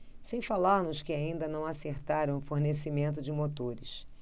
sem falar nos que ainda não acertaram o fornecimento de motores